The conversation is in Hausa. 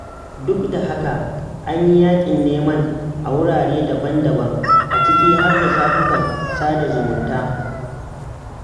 Duk da haka, an yi yaƙin neman a wurare daban-daban ciki har da shafukan sada zumunta.